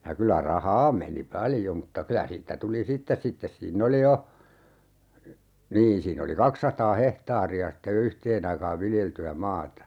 ja kyllä rahaa meni paljon mutta kyllä siitä tuli sitten sitten siinä oli jo niin siinä oli kaksisataa hehtaaria sitten jo yhteen aikaan viljeltyä maata